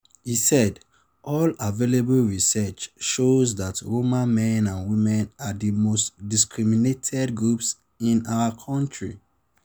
He said: All available research shows that Roma men and women are the most discriminated groups in our country.